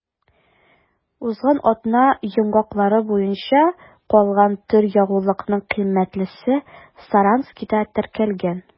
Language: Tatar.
Узган атна йомгаклары буенча калган төр ягулыкның кыйммәтлесе Саранскида теркәлгән.